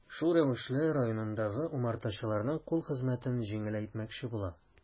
Шул рәвешле районындагы умартачыларның кул хезмәтен җиңеләйтмәкче була.